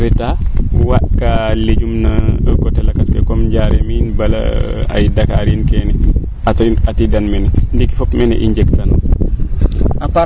retaa waand kaa legume no coté lakas ke Ndiarem iin